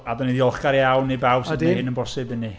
A dan ni'n ddiolchgar iawn i bawb sy... odyn. ...'di wneud hyn yn bosib i ni.